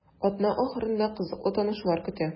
Атна ахырында кызыклы танышулар көтә.